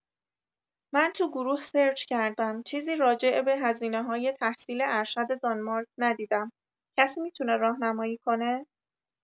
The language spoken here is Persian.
من تو گروه سرچ کردم چیزی راجع‌به هزینه‌های تحصیل ارشد دانمارک ندیدم، کسی می‌تونه راهنمایی کنه؟